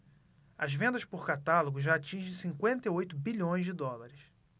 as vendas por catálogo já atingem cinquenta e oito bilhões de dólares